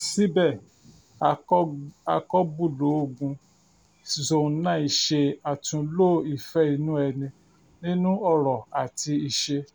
Síbẹ̀, akọbúlọ́ọ̀gù Zone9 ṣe àtúnlò ìfẹ́-ìlú-ẹni nínú ọ̀rọ̀ àti ìṣe.